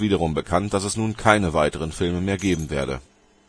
wiederum bekannt, dass es nun keine weiteren Filme mehr geben werde.